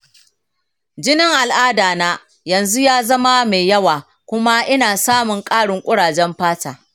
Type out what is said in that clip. jinin al’adatana yanzu ya zama mai yawa kuma ina samun ƙarin kurajen fata.